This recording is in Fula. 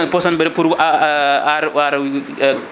posone ɗe pour wa a wara